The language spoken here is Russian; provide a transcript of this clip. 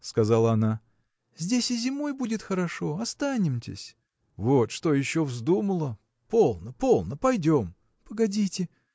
– сказала она, – здесь и зимой будет хорошо: останемтесь. – Вот что еще вздумала! Полно, полно, пойдем! – Погодите!